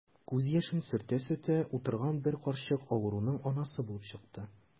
Күз яшен сөртә-сөртә утырган бер карчык авыруның анасы булып чыкты.